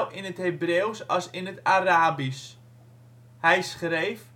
in het Hebreeuws als in het Arabisch (" hij schreef